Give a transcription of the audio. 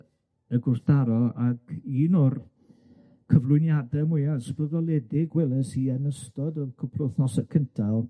y gwrthdaro ac un o'r cyflwyniade mwya ysbrydoledig weles i yn ystod y cwpwl o wythnose cynta o'dd...